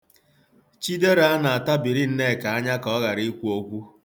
Chidera na-atabiri Nneka anya ka ọ ghara ikwu okwu.